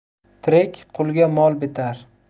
tirik qulga mol bitar